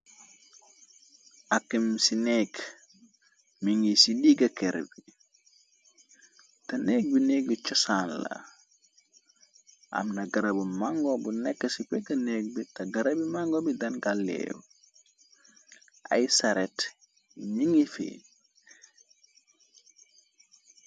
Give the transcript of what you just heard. Akem ci nekk mi ngiy ci digga ker bi té nekk bi nekgi cosaan la amna garab mango bu nekk ci pek nekk bi te gara i mango bi dangal léew ay saret ni ngi fi.